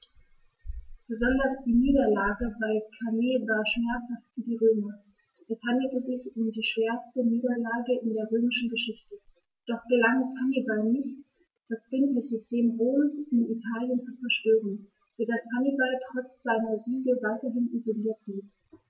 Besonders die Niederlage bei Cannae war schmerzhaft für die Römer: Es handelte sich um die schwerste Niederlage in der römischen Geschichte, doch gelang es Hannibal nicht, das Bündnissystem Roms in Italien zu zerstören, sodass Hannibal trotz seiner Siege weitgehend isoliert blieb.